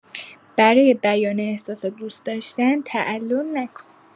برای بیان احساس دوست‌داشتن تعلل نکن.